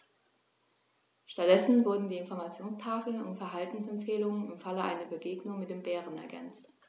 Stattdessen wurden die Informationstafeln um Verhaltensempfehlungen im Falle einer Begegnung mit dem Bären ergänzt.